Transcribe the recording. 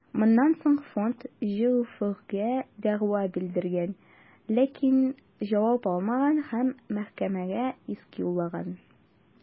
Моннан соң фонд ҖҮФХгә дәгъва белдергән, ләкин җавап алмаган һәм мәхкәмәгә иск юллаган.